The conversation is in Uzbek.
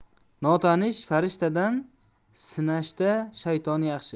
notanish farishtadan sinashta shayton yaxshi